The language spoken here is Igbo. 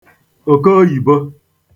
òkeoyìbo